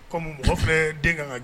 Kɔmi mɔgɔ filɛ den ka ka